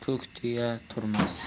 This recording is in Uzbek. ko'k tuya turmas